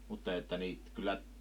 mutta että niitä kyllä